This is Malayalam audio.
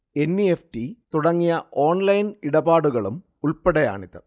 എൻ. ഇ. എഫ്. ടി തുടങ്ങിയ ഓൺലൈൻ ഇടപാടുകളും ഉൾപ്പടെയാണിത്